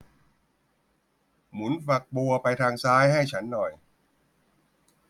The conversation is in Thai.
หมุนฝักบัวไปทางซ้ายให้ฉันหน่อย